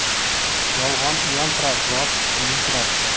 yolg'on uyaltirar rost suyuntirar